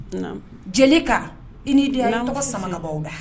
Jeli ka i nii di tɔgɔ samabagaw